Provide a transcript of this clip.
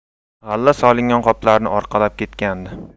g'alla solingan qoplarni orqalab ketgandi